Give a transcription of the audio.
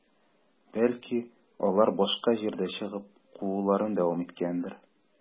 Бәлки, алар башка җирдә чыгып, кууларын дәвам иткәннәрдер?